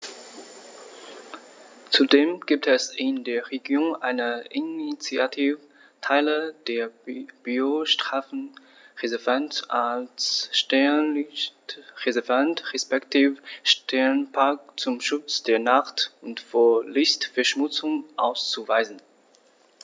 Zudem gibt es in der Region eine Initiative, Teile des Biosphärenreservats als Sternenlicht-Reservat respektive Sternenpark zum Schutz der Nacht und vor Lichtverschmutzung auszuweisen.